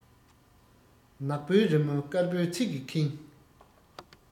ནག པོའི རི མོ དཀར པོའི ཚིག གིས ཁེངས